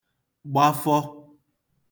gbafọ